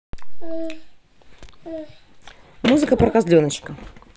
мультик про козленочка